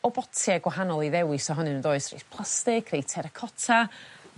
o botie gwahanol i ddewis ohonyn n'w yndoes rei plastig rhei terecotta